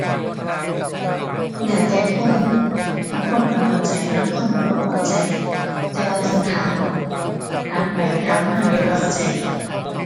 แล้วแต่คน ลางคนก็เข้าใจ ลางคนก็บ่เข้าใจ แต่ว่าต้องถามเอา ถามไปถามมาเดี๋ยวก็เข้าใจเอง